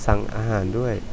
สั่งอาหารด้วย